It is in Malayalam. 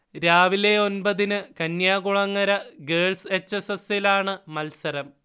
രാവിലെ ഒൻപതിന് കന്യാകുളങ്ങര ഗേൾസ് എച്ച് എസ് എസിലാണ് മത്സരം